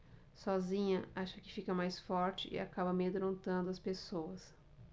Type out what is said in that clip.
sozinha acha que fica mais forte e acaba amedrontando as pessoas